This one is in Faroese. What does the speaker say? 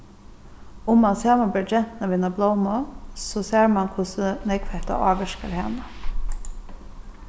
um mann samanber gentuna við eina blómu so sær mann hvussu nógv hetta ávirkar hana